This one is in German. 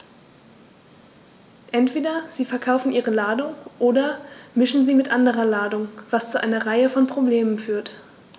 Entweder sie verkaufen ihre Ladung oder mischen sie mit anderer Ladung, was zu einer Reihe von Problemen führt.